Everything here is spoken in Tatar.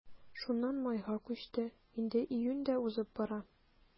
Шуннан майга күчте, инде июнь дә узып бара.